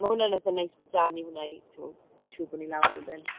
Ma' hwnna'n eitha neis bod 'da ni hwnna i, tibod, wneud siŵr bod ni lawr erbyn.